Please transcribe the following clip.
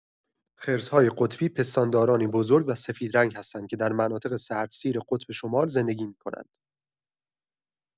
خرس‌های قطبی پستاندارانی بزرگ و سفید رنگ هستند که در مناطق سردسیر قطب شمال زندگی می‌کنند.